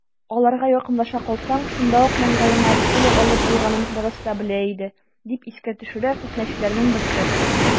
Аларга якынлаша калсаң, шунда ук маңгаеңа пуля алып булганын барысы да белә иде, - дип искә төшерә фетнәчеләрнең берсе.